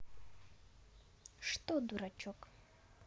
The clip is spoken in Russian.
что дурачок